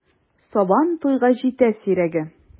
Сабан туйга җитә сирәге!